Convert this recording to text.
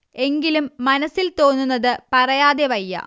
എങ്കിലും മനസ്സിൽ തോന്നുന്നത് പറയാതെ വയ്യ